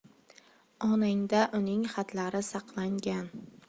onangda uning xatlari saqlangan